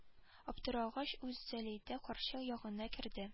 Аптырагач ул залидә карчык ягына керде